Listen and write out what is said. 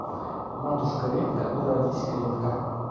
матушка репка уродись крепка